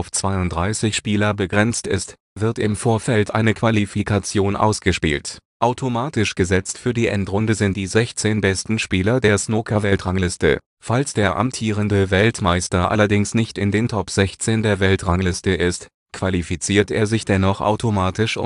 32 Spieler begrenzt ist, wird im Vorfeld eine Qualifikation ausgespielt. Automatisch gesetzt für die Endrunde sind die 16 besten Spieler der Snookerweltrangliste. Falls der amtierende Weltmeister allerdings nicht in den Top 16 der Weltrangliste ist, qualifiziert er sich dennoch automatisch